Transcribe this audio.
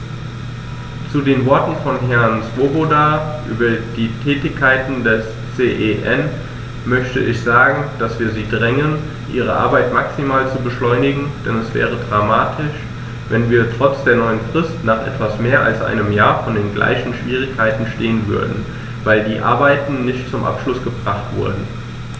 Zu den Worten von Herrn Swoboda über die Tätigkeit des CEN möchte ich sagen, dass wir sie drängen, ihre Arbeit maximal zu beschleunigen, denn es wäre dramatisch, wenn wir trotz der neuen Frist nach etwas mehr als einem Jahr vor den gleichen Schwierigkeiten stehen würden, weil die Arbeiten nicht zum Abschluss gebracht wurden.